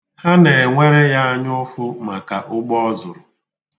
Ha na-enwere ya anyaụfụ maka ụgbọ ọ zụrụ.